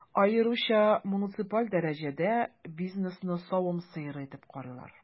Аеруча муниципаль дәрәҗәдә бизнесны савым сыеры итеп карыйлар.